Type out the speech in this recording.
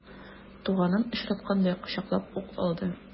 Туганын очраткандай кочаклап ук алды.